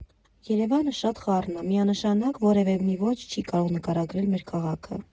Երևանը շատ խառն ա՝ միանշանակ որևէ մի ոճ չի կարող նկարագրել մեր քաղաքը։